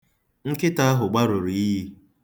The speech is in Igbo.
Nkịta ahụ gbarụrụ iyi.